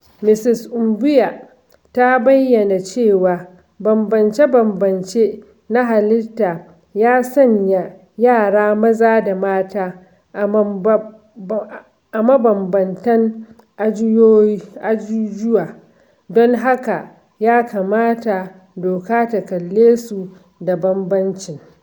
Ms Mbuya ta bayyana cewa bambamce-bambamce na halitta ya sanya yara maza da mata a "mabambamtan ajujuwa" don haka ya kamata doka ta kallesu da bambamci.